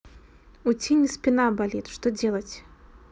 у tiny спина болит что делать